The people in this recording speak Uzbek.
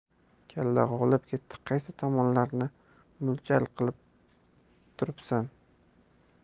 kalla g'ovlab ketdi qaysi tomonlarni mo'ljal qilib turibsan